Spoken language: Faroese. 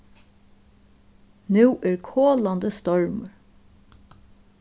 nú er kolandi stormur